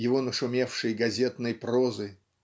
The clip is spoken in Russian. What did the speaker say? его нашумевшей газетной прозы.